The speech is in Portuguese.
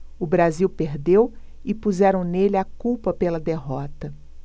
o brasil perdeu e puseram nele a culpa pela derrota